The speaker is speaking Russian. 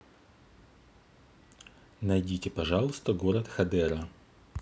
найдите пожалуйста город хадера